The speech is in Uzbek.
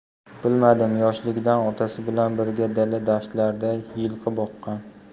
bilmadim yoshligidan otasi bilan birga dala dashtlarda yilqi boqqan